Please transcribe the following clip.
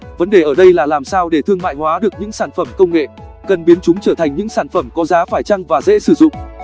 vấn đề ở đây là làm sao để thương mại hóa được những sản phẩm công nghệ cần biến chúng trở thành những sản phẩm có giá phải chăng và dễ sử dụng